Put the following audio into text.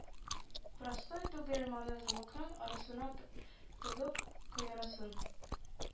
Простой түгел, моны замокның арасына тыгып кыерасын